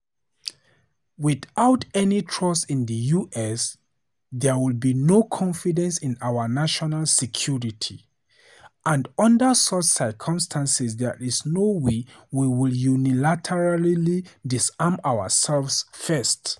"Without any trust in the U.S. there will be no confidence in our national security and under such circumstances there is no way we will unilaterally disarm ourselves first."